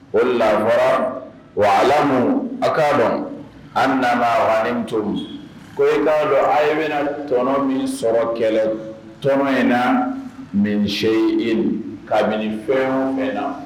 O de la a fɔra wa alamu a k'a dɔn an namaa ganimutum ko i k'a dɔn aw bɛna tɔnɔ min sɔrɔ kɛlɛ tɔnɔ in na min seyi in kabini fɛn o fɛn na.